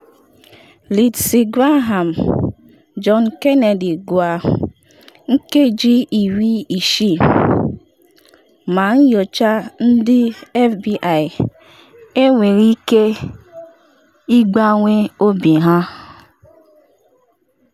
Lindsey Graham, John Kennedy gwa “60 minutes” ma nyocha ndị FBI enwere ike ịgbanwe obi ha